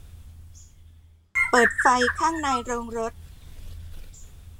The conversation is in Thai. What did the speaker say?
เปิดไฟข้างในโรงรถ